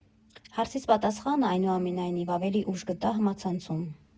Հարցիս պատասխանը, այնուամենայնիվ, ավելի ուշ գտա համացանցում։